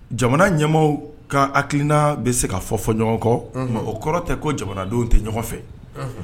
Jamana ɲɛ ka hakilikilina bɛ se ka fɔ fɔ ɲɔgɔn kɔ tuma o kɔrɔ tɛ ko jamanadenw tɛ ɲɔgɔn fɛ